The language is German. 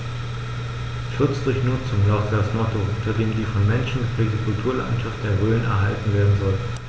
„Schutz durch Nutzung“ lautet das Motto, unter dem die vom Menschen geprägte Kulturlandschaft der Rhön erhalten werden soll.